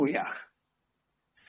mwyach.